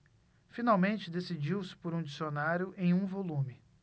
finalmente decidiu-se por um dicionário em um volume